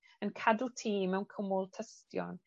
yn cadw tŷ mewn cwmwl tystion.